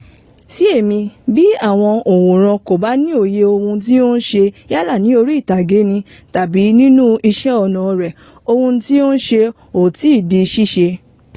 Sí èmi, bí àwọn òǹwòran kò bá ní òye ohun tí ò ń ṣe yálà ní orí ìtàgé ni tàbí nínú iṣẹ́ ọnà rẹ̀ ohun tí ò ń ṣẹ ò tìí di ṣíṣe